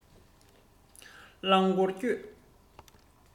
རླང འཁོར བསྐྱོད